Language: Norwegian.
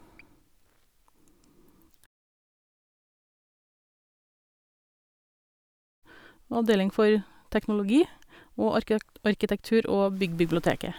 Avdeling for teknologi, og arkitekt arkitektur- og byggbiblioteket.